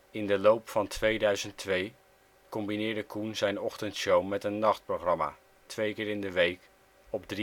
In de loop van 2002 combineerde Coen zijn ochtendshow met een nachtprogramma (2 keer in de week) op 3FM. De